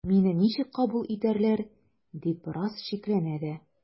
“мине ничек кабул итәрләр” дип бераз шикләнә дә.